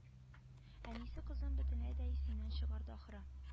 Әнисе кызын бөтенләй дә исеннән чыгарды ахры